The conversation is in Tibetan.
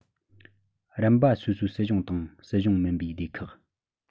རིམ པ སོ སོའི སྲིད གཞུང དང སྲིད གཞུང མིན པའི སྡེ ཁག